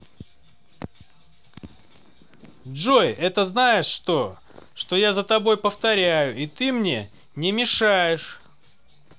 джой это знаешь что что я за тобой повторяю и ты мне не мешаешь